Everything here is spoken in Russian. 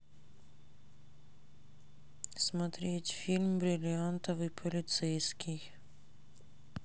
смотреть фильм бриллиантовый полицейский